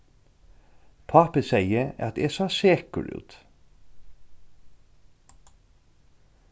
pápi segði at eg sá sekur út